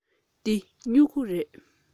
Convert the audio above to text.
འདི སྨྱུ གུ རེད